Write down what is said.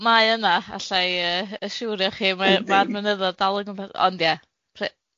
Wel, mae yna, alla i yy yshiwrio chi... Yndi... mae ma'r mynyddoedd dal o' gwmpas ond ia